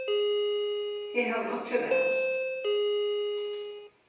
eg havi einki val